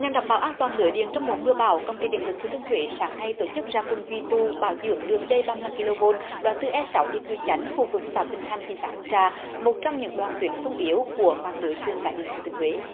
nhằm đảm bảo an toàn lưới điện trong mùa mưa bão công ty điện lực thừa thiên huế sáng nay tổ chức ra quân duy tu bảo dưỡng đường dây ba lăm ki lô vôn đoạt từ e sáu đi cư tránh khu vực xã bình thạnh thị xã hương trà một trong những đoạn tuyến xung yếu của mạng lưới truyền tải điện thừa thiên huế